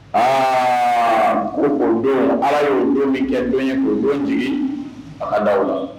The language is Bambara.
Aa! ko o don, Ala y'o don min kɛ don ye k'o don jigi, a ka d'a aw la